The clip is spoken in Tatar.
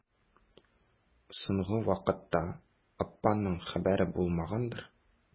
Соңгы вакытта апаңның хәбәре булмагандыр?